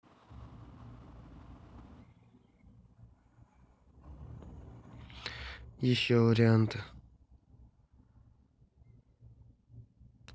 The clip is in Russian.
еще варианты